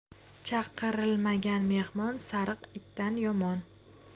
chaqirilmagan mehmon sariq itdan yomon